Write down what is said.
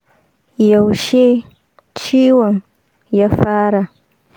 yaushe ciwon ya fara?